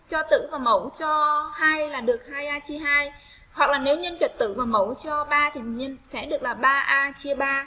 cho tử và mẫu cho hai là được hai ai hoạt hình thiếu niên phật tử và mẫu cho thành viên sẽ được là chia